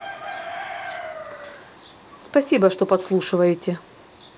спасибо что подслушиваете